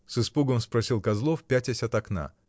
— с испугом спросил Козлов, пятясь от окна.